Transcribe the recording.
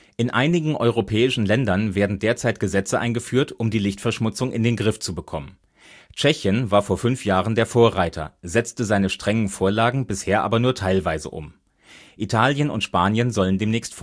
In einigen europäischen Ländern werden derzeit Gesetze eingeführt, um die Lichtverschmutzung in den Griff zu bekommen. Tschechien war vor fünf Jahren der Vorreiter, setzte seine strengen Vorlagen bisher aber nur teilweise um. Italien und Spanien sollen demnächst